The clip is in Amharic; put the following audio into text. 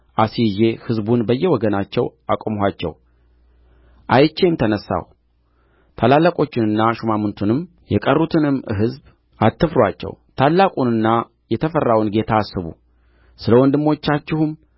አስይዤ ሕዝቡን በየወገናቸው አቆምኋቸው አይቼም ተነሣሁ ታላላቆቹንና ሹማምቱንም የቀሩትንም ሕዝብ አትፍሩአቸው ታላቁንና የተፈራውን ጌታ አስቡ ስለ ወንድሞቻችሁም